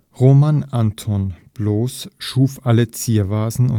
Roman Anton Boos schuf alle Ziervasen